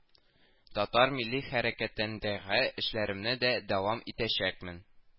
Татар милли хәрәкәтендәге эшләремне дә дәвам итәчәкмен